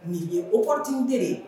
Nin ye o kɔrɔtiin tɛ